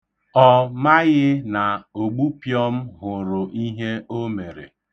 Ọ maghị na ogbupịọm hụrụ ihe o mere.